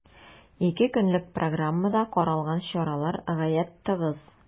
Ике көнлек программада каралган чаралар гаять тыгыз.